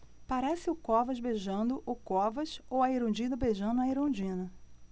parece o covas beijando o covas ou a erundina beijando a erundina